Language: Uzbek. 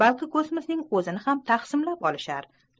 balki kosmosning o'zini ham taqsimlab olishar